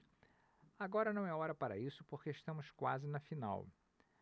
agora não é hora para isso porque estamos quase na final